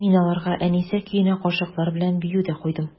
Мин аларга «Әнисә» көенә кашыклар белән бию дә куйдым.